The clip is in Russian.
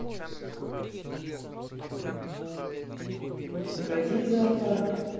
ну погоди зоопарк